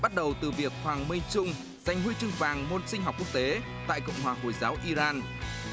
bắt đầu từ việc hoàng minh trung giành huy chương vàng môn sinh học quốc tế tại cộng hòa hồi giáo i ran